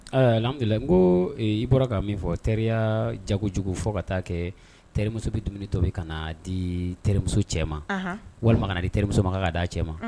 Ladu ko i bɔra ka min fɔ teriya jagojugu fɔ ka taaa kɛ terimuso bɛ dumuni to bɛ ka na di terimuso cɛ ma walima ka di terimuso ma kan ka da cɛ ma